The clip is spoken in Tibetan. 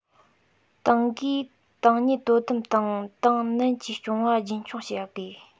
ཏང གིས ཏང ཉིད དོ དམ དང ཏང ནན གྱིས སྐྱོང བ རྒྱུན འཁྱོངས བྱ དགོས